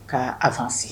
Ka' a fananse